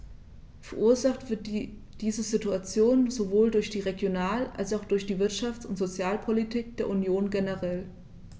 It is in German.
Verursacht wird diese Situation sowohl durch die Regional- als auch durch die Wirtschafts- und Sozialpolitik der Union generell.